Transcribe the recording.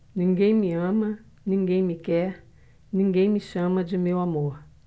ninguém me ama ninguém me quer ninguém me chama de meu amor